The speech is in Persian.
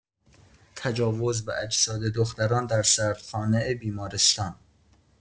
تجاوز به اجساد دختران در سردخانه بیمارستان